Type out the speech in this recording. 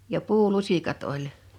ja puulusikat oli